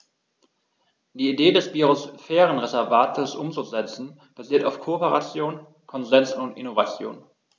Die Idee des Biosphärenreservates umzusetzen, basiert auf Kooperation, Konsens und Innovation.